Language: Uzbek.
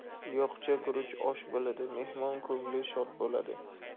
yo'qcha guruch osh bo'ladi mehmon ko'ngli shod bo'ladi